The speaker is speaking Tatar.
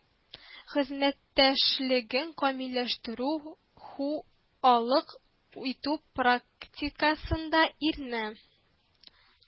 Хезмәттәшлеген камилләштерү, ху алык итү прак тикасында ирне